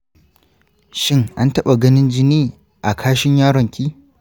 shin an taɓa ganin jini a kashin yaron ki?